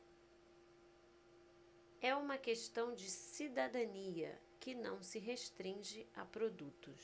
é uma questão de cidadania que não se restringe a produtos